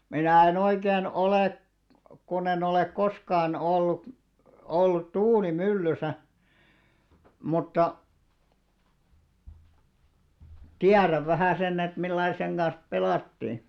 minä en oikein ole kun en ole koskaan ollut ollut tuulimyllyssä mutta tiedän vähän sen että millä lailla sen kanssa pelattiin